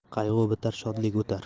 qayg'u bitar shodlik o'tar